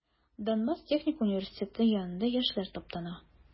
Донбасс техник университеты янында яшьләр таптана.